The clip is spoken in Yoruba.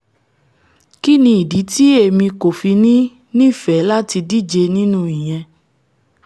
Kínni ìdí ti emi kòfi ní nifẹ́ láti díje nínú ìyẹn?''